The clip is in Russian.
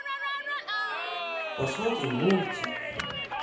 посмотрим мультик